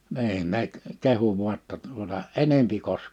niin ne kehui vain jotta tuota enempi -